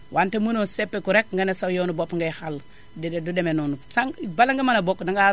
wante mënoo seppeeku rek nga ne sa yoonu bopp ngay xàll déedéet du demee noonu sànq bala nga mën a bokk dangaa